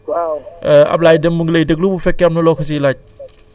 d' accord Serigne Lo tay jii ñu ngi ci wàllub assurance yi